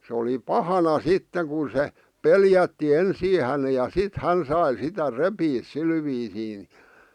se oli pahana sitten kun se pelätti ensin hänen ja sitten hän sai sitä repiä sillä viisiin niin